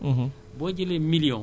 na fay